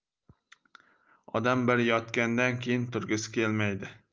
odam bir yotgandan keyin turgisi kelmaydi